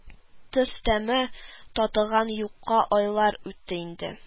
Тоз тәме татыган юкка айлар үтте инде